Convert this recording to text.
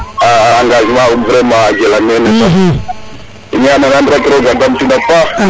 engagement um vraiment a jela men saxi ñanan rek roga damtina paax